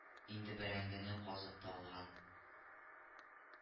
Инде бәрәңгене казып та алган